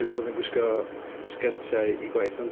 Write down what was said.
Wedi bod yn gwisgo sgertiau i gwaith ond...